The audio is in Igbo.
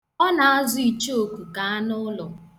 Ọ na-azụ ichooku ka anụụlọ.